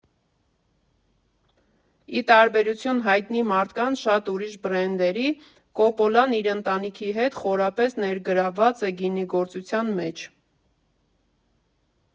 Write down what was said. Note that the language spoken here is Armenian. Ի տարբերություն հայտնի մարդկանց շատ ուրիշ բրենդերի՝ Կոպպոլան իր ընտանիքի հետ խորապես ներգրավված է գինեգործության մեջ։